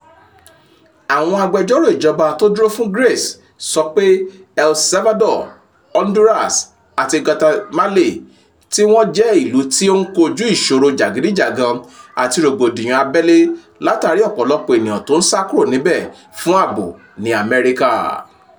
Àwọn agbẹjọ́rò ìjọba tó dúró fún Grace sọ pé El Salvador, Honduras àti Guatemala tí wọ́n jẹ́ ìlú tí ó ń kojú ìṣòro jàgídíjàgan àti rògbòdìyàn abẹ́lé látàríi ọ̀pọ̀lọpọ̀ ènìyàn tó ń sá kúrò níbẹ̀ fún ààbò ní US.